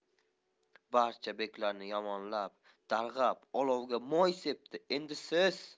barcha beklarni yomonlab qarg'ab olovga moy sepdi endi siz